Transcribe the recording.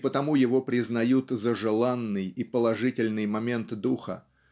и потому его признают за желанный и положительный момент духа